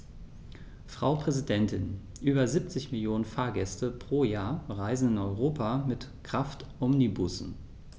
Frau Präsidentin, über 70 Millionen Fahrgäste pro Jahr reisen in Europa mit Kraftomnibussen.